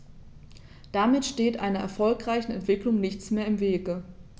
Damit steht einer erfolgreichen Entwicklung nichts mehr im Wege.